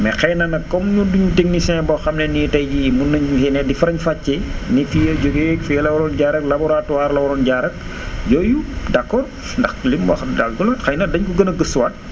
mais xëy na nag comme ñun du ñu technicien boo xam ne nii tey jii mun nañu yéene di faram fàccee ni fii la jógee fee la waroon jaar ak laboratoire la waroon jaar ak yooyu d' accord ndax lim boo xam ne daa gën a mais xëy na dañ ko gën a gëstuwaat